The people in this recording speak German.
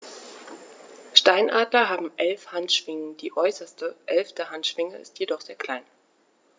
Steinadler haben 11 Handschwingen, die äußerste (11.) Handschwinge ist jedoch sehr klein.